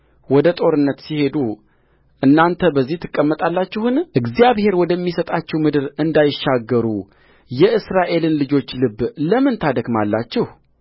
ወደ ጦርነት ሲሄዱ እናንተ በዚህ ትቀመጣላችሁን እግዚአብሔር ወደሚሰጣቸው ምድር እንዳይሻገሩ የእስራኤልን ልጆች ልብ ለምን ታደክማላችሁ